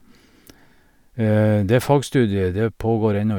Det fagstudiet, det pågår ennå.